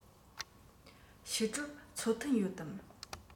ཕྱི དྲོར ཚོགས ཐུན ཡོད དམ